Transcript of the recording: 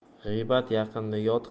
g'iybat yaqinni yot